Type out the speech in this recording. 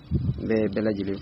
N bɛ bɛɛ lajɛlen fo